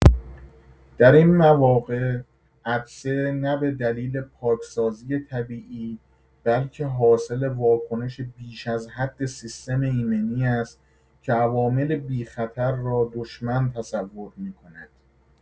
در این مواقع عطسه نه به دلیل پاکسازی طبیعی، بلکه حاصل واکنش بیش‌ازحد سیستم ایمنی است که عوامل بی‌خطر را دشمن تصور می‌کند.